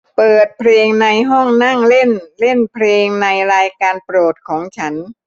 เปิดเพลงในห้องนั่งเล่นเล่นเพลงในรายการโปรดของฉัน